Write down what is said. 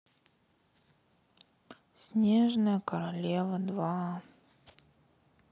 снежная королева два